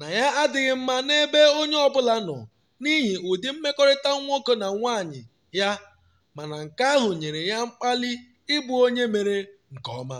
na ya adịghị mma na-ebe onye ọ bụla nọ n’ihi ụdị mmekọrịta nwoke na nwanyị ya- mana nke ahụ nyere ya mkpali ịbụ onye mere nke ọma.